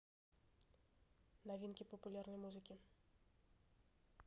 новинки популярная музыка